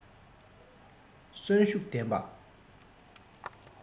གསོན ཤུགས ལྡན པ